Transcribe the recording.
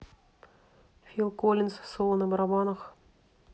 фил коллинз соло на барабанах